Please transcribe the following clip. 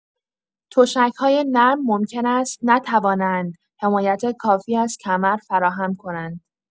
تشک‌های نرم ممکن است نتوانند حمایت کافی از کمر فراهم کنند.